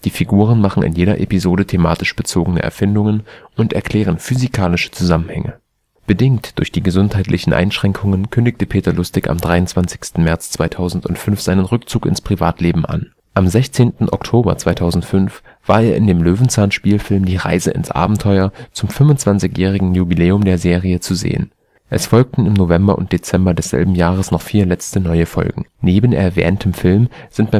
Figuren machen in jeder Episode thematisch bezogene Erfindungen und erklären physikalische Zusammenhänge. Bedingt durch die gesundheitlichen Einschränkungen kündigte Peter Lustig am 23. März 2005 seinen Rückzug ins Privatleben an. Am 16. Oktober 2005 war er in dem Löwenzahn-Spielfilm Die Reise ins Abenteuer zum 25-jährigen Jubiläum der Serie zu sehen. Es folgten im November und Dezember desselben Jahres noch vier letzte neue Folgen; neben erwähntem Film sind